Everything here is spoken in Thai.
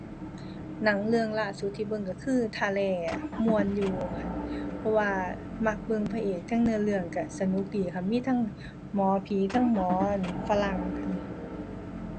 หนังเรื่องล่าสุดที่เบิ่งก็คือท่าแร่ ม่วนอยู่ เพราะว่ามักเบิ่งพระเอก ทั้งเนื้อเรื่องก็สนุกดีค่ะ มีทั้งหมอผี ทั้งหมอ อั่น ฝรั่ง